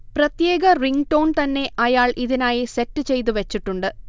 പ്രത്യേക റിങ്ങ്ടോൺ തന്നെ അയാൾ ഇതിനായി സെറ്റ്ചെയ്ത് വച്ചിട്ടുണ്ട്